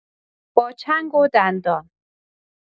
با چنگ و دندان